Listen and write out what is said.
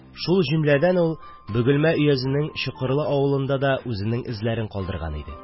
Шул җөмләдән ул Бөгелмә өязенең Чокырлы авылында да үзенең эзләрен калдырган иде